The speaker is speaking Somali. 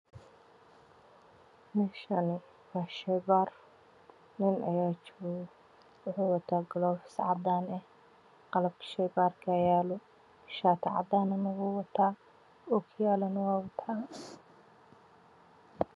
Meeshaani waa shay Baar nin ayaa jooga wuxuu wataa galoofis cadaan ah qalabka shaybaarka yaalo shaati cadaan okiyalo cadaan wataa